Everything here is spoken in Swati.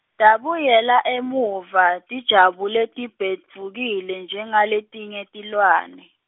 tabuyela emuva, tijabule tibhedvukile njengaletinye tilwane.